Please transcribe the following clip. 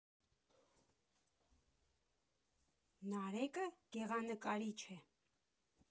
Նարեկը գեղանկարիչ է։